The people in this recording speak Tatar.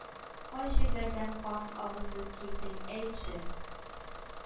Кай җирләрдән кан агызып килдең, әйтче,